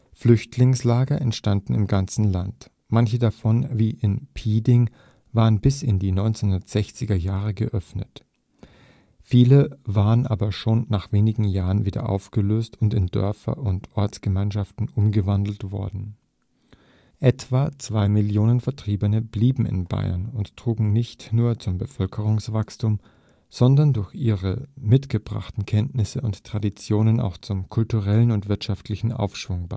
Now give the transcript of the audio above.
Flüchtlingslager entstanden im ganzen Land, manche davon wie in Piding waren bis in die 1960er Jahre geöffnet, viele waren aber schon nach wenigen Jahren wieder aufgelöst oder in Dörfer und Ortschaften umgewandelt worden. Etwa zwei Millionen Vertriebene blieben in Bayern und trugen nicht nur zum Bevölkerungswachstum, sondern durch ihre mitgebrachten Kenntnisse und Traditionen auch zum kulturellen und wirtschaftlichen Aufschwung